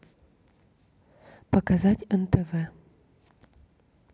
показать нтв